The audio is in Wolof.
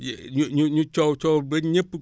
yée ñu ñu coow coow ba ñépp